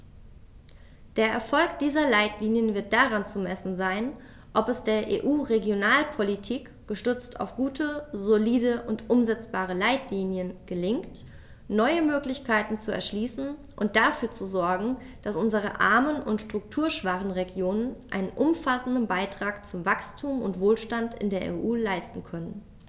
Der Erfolg dieser Leitlinien wird daran zu messen sein, ob es der EU-Regionalpolitik, gestützt auf gute, solide und umsetzbare Leitlinien, gelingt, neue Möglichkeiten zu erschließen und dafür zu sorgen, dass unsere armen und strukturschwachen Regionen einen umfassenden Beitrag zu Wachstum und Wohlstand in der EU leisten können.